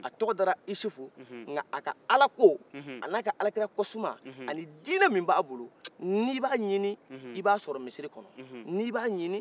a tɔgɔ dara isufu nka a ka ala ko ana ka alakira kosuma ni ba ɲinin i b'a sɔrɔ misiri kɔnɔ